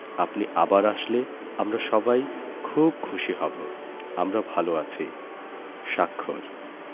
আপনি আবার আসলে আমরা সবাই খুব খুশি হব আমরা ভালো আছি স্বাক্ষর